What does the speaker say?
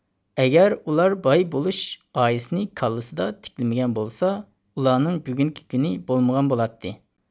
ئەگەر ئۇلار باي بولۇش غايىسىنى كاللىسىدا تىكلىمىگەن بولسا ئۇلارنىڭ بۈگۈنكى كۈنى بولمىغان بولاتتى